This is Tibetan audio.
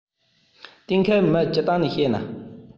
གཏན འཁེལ མི སྤྱིར བཏང ནས བཤད ན